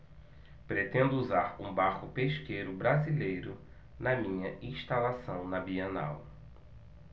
pretendo usar um barco pesqueiro brasileiro na minha instalação na bienal